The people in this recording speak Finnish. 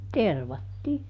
tervattiin